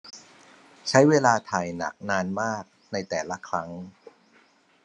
ใช้เวลาถ่ายหนักนานมากในแต่ละครั้ง